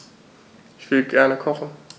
Ich will gerne kochen.